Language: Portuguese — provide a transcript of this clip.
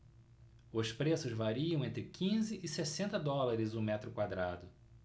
os preços variam entre quinze e sessenta dólares o metro quadrado